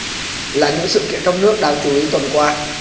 là những sự kiện trong nước đáng chú ý tuần qua